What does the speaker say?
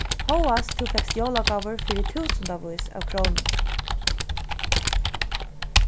hóast tú fekst jólagávur fyri túsundavís av krónum